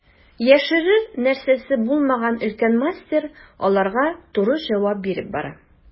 Яшерер нәрсәсе булмаган өлкән мастер аларга туры җавап биреп бара.